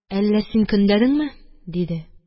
– әллә син көнләдеңме? – диде..